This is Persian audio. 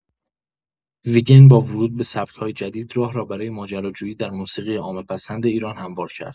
ویگن با ورود به سبک‌های جدید، راه را برای ماجراجویی در موسیقی عامه‌پسند ایران هموار کرد.